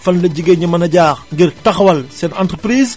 fan la jigéen ñi mën a jaar ngir taxawal seen entreprise